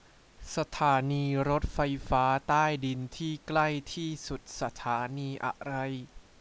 สถานีรถไฟฟ้าใต้ดินที่ใกล้ที่สุดสถานีอะไร